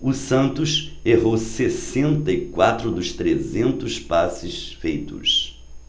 o santos errou sessenta e quatro dos trezentos passes feitos